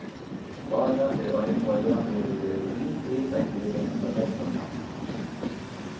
sára er ein teirra ið hevur verið við til at gera hetta tekstasavn